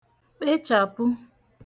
kpechàpụ